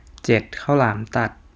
เจ็ดข้าวหลามตัด